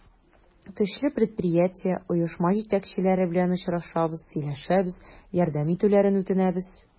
Көчле предприятие, оешма җитәкчеләре белән очрашабыз, сөйләшәбез, ярдәм итүләрен үтенәбез.